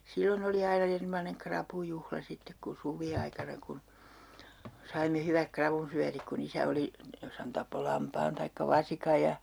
silloin oli aina erinomainen rapujuhla sitten kun suviaikana kun saimme hyvät ravunsyötit kun isä oli jos hän tappoi lampaan tai vasikan ja